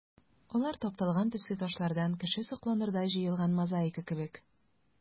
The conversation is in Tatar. Алар тапталган төсле ташлардан кеше сокланырдай җыелган мозаика кебек.